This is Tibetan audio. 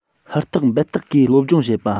ཧུར ཐག འབད ཐག གིས སློབ སྦྱོང བྱེད པ